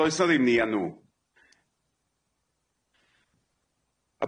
Does 'a ddim ni a nw.